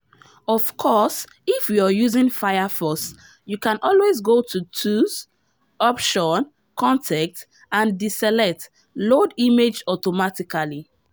(Of course, if you are using Firefox you can always go to Tools -> Options -> Content and deselect ‘Load images automatically’.)